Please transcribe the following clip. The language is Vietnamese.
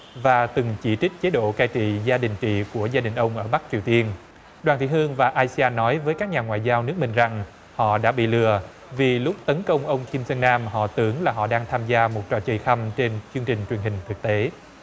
và từng chỉ trích chế độ cai trị gia đình trị của gia đình ông ở bắc triều tiên đoàn thị hương và a si an nói với các nhà ngoại giao nước mình rằng họ đã bị lừa vì lúc tấn công ông kim dong nam họ tưởng là họ đang tham gia một trò chơi khăm trên chương trình truyền hình thực tế